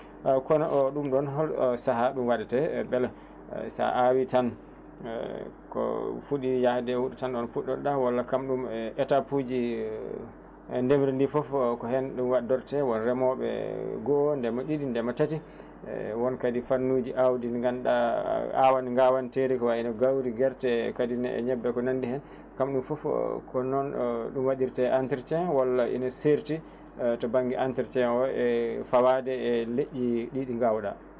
a kono ɗum ɗon hol saaha ɗum waɗate beela sa awi tan ko fuuɗi yaade huɗo tan ko ɗon puɗɗotoɗa walla kam ɗum e étapes uji e demri ndi foof ko heen waddorte walla remooɓe goho ndema ɗiɗi ndema tati e won kadi fannuji awdi ɗi gannduɗa awat gawanteeri ko wayno gawri gerte kadi ne ñebbe ko nanndi heen kam ɗum foof kono noon ɗum waɗirte entretien walla ene serti to banŋnge entretien o e fawade e leƴƴi ɗi ɗi gawɗa